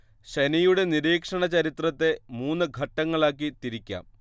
ശനിയുടെ നിരീക്ഷണ ചരിത്രത്തെ മൂന്ന് ഘട്ടങ്ങളാക്കി തിരിക്കാം